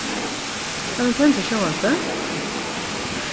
kann eg tendra sjónvarpið